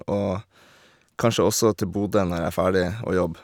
Og kanskje også til Bodø når jeg er ferdig å jobbe.